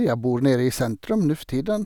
Jeg bor nede i sentrum nå for tiden.